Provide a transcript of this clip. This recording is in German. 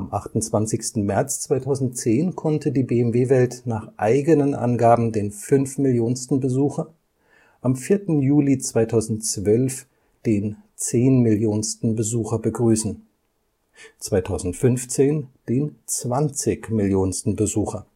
28. März 2010 konnte die BMW Welt nach eigenen Angaben den fünfmillionsten Besucher, am 4. Juli 2012 den zehnmillionsten Besucher begrüßen, 2015 den zwanzigmillionsten Besucher